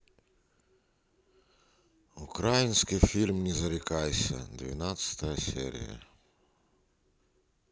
украинский фильм не зарекайся двенадцатая серия